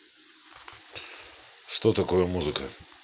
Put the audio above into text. что такое музыка